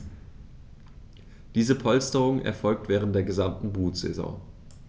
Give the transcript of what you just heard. Diese Polsterung erfolgt während der gesamten Brutsaison.